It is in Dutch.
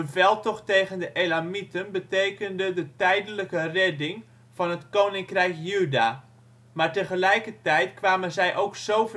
veldtocht tegen de Elamieten betekende de tijdelijke redding van het koninkrijk Juda. Maar tegelijkertijd kwamen zij ook zo